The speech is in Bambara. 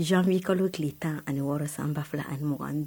Zani kalo tile tan ani wɔɔrɔ san ba fila ani ɲɔgɔn